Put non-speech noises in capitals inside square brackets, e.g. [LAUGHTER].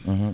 [HESITATION] [HESITATION]